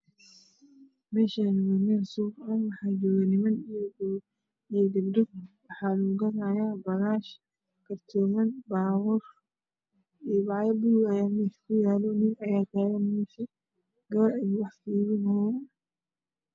Meshan waa mel suuq ah niman io gabdho aya jogo waxalaku gedaya bagasha kartoman babuur io bacyo bulug ah aya kuyalo nin ayatagan mesha gabar yow wax kaibinaya